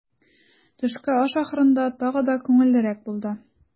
Төшке аш ахырында тагы да күңеллерәк булды.